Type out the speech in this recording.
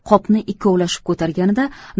qopni ikkovlashib ko'targanida